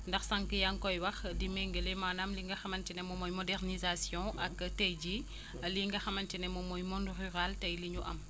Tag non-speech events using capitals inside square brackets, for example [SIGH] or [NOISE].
ndax sànq yaa ngi koy wax di méngale maanaam li nga xamante ne moom mooy modernisation ak tey jii [BREATH] lii nga xamante ni moom mooy monde rural tey li ñu am